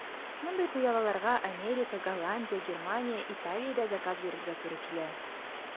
Мондый пыялаларга Америка, Голландия, Германия, Италиядә заказ бирергә туры килә.